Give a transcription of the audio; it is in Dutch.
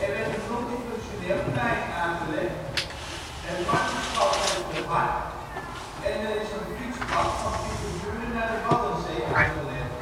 werd een multifunctioneel plein aangelegd, het Martenspad werd verhard en er is een fietspad van Pieterburen naar de Waddenzee aangelegd